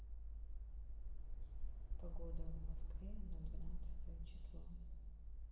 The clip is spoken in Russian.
погода в москве на двенадцатое число